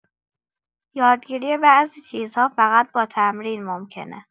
یادگیری بعضی چیزها فقط با تمرین ممکنه